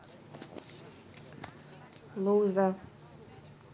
луза